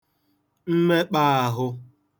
mmekpā āhụ̄